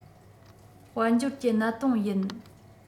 དཔལ འབྱོར གྱི གནད དོན ཡིན